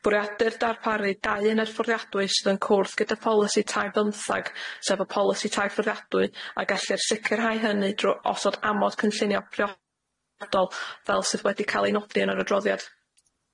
Bwriadur darparu dau uned ffwriadwy sydd yn cwrdd gyda polisi tai bymthag sef y polisi tai ffwriadwy a gellir sicrhau hynny drw- os o'dd amod cynllunio priodol fel sydd wedi ca'l ei nodi yn yr adroddiad.